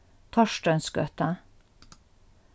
torsteinsgøta